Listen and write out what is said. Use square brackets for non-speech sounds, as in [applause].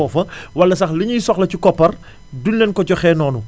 foofa [inhales] wala sax li ñuy soxla ci koppar [inhales] duñu leen ko joxee noonu